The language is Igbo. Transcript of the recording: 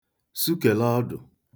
sukèlụ ọdụ̀